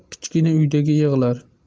kichkina uydagi yig'lar